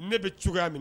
Ne bɛ cogoyaya minɛ